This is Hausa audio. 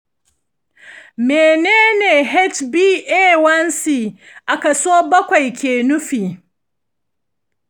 mene ne hba1c a kaso bakwai ke nufi?